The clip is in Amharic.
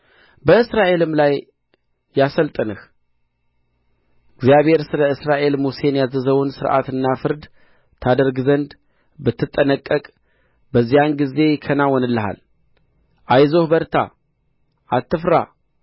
በእስራኤልም ላይ ያሠልጥንህ እግዚአብሔር ስለ እስራኤል ሙሴን ያዘዘውን ሥርዓትና ፍርድ ታደርግ ዘንድ ብትጠነቀቅ በዚያን ጊዜ ይከናወንልሃል አይዞህ በርታ አትፍራ